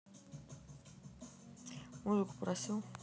музыку просил